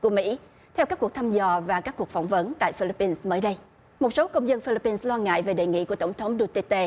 của mỹ theo các cuộc thăm dò và các cuộc phỏng vấn tại phi líp pin mới đây một số công dân phi líp pin lo ngại về đề nghị của tổng thống đu tê tê